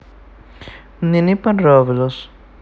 мне не понравилось